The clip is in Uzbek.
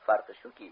farqi shuki